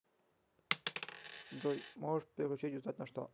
джой можешь переключить знать на что